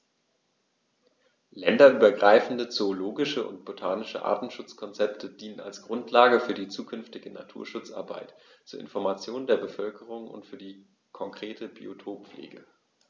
Länderübergreifende zoologische und botanische Artenschutzkonzepte dienen als Grundlage für die zukünftige Naturschutzarbeit, zur Information der Bevölkerung und für die konkrete Biotoppflege.